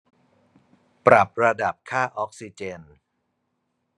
ปรับระดับค่าออกซิเจน